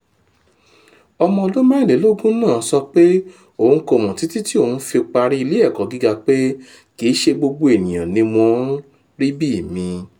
Ọmọ ọdún 24 mẹ́rìndínlógún náà sọ pé òun kò mọ̀ títí tí òun fi parí ilé ẹ̀kọ́ gíga pé “kìíṣe gbogbo ènìyàn ní wọ́n rí bí mi”